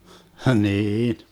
niin